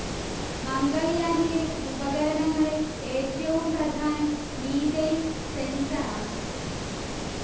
മംഗൾയാനിലെ ഉപകരണങ്ങളിൽ ഏറ്റവും പ്രധാനം മീഥെയ്ൻ സെൻസർ ആണ്